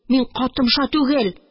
Мин катымша түгел